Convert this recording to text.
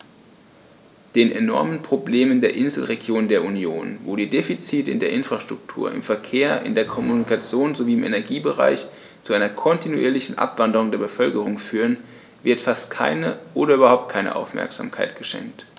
Den enormen Problemen der Inselregionen der Union, wo die Defizite in der Infrastruktur, im Verkehr, in der Kommunikation sowie im Energiebereich zu einer kontinuierlichen Abwanderung der Bevölkerung führen, wird fast keine oder überhaupt keine Aufmerksamkeit geschenkt.